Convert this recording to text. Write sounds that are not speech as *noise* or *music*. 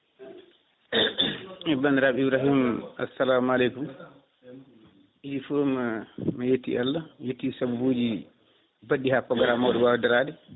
*clears throat* bandiraɓe Ibrahima assalamu aleykum idi foof mi yetti Allah mi yetti saababuji badɗi ha programme o ɗo wawi darade